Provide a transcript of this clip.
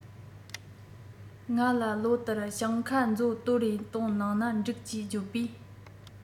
ང ལ ལོ ལྟར ཞིང ཁ མཛོ དོར རེ གཏོང གནང ན འགྲིག ཅེས བརྗོད པས